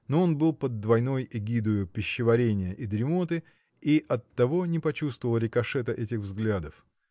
но он был под двойной эгидою пищеварения и дремоты и оттого не почувствовал рикошета этих взглядов.